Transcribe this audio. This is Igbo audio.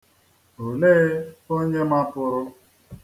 Olee onye mapụrụ?